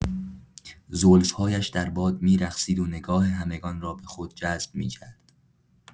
زلف‌هایش در باد می‌رقصید و نگاه همگان را به خود جذب می‌کرد.